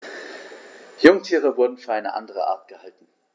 Jungtiere wurden für eine andere Art gehalten.